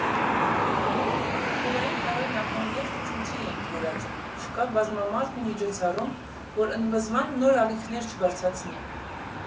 Ֆուտբոլային խաղերն անգամ երթ ու ցույցի ենք վերածում, չկա բազմամարդ մի միջոցառում, որ ընդվզման նոր ալիքներ չբարձրացնի։